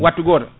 wattu goto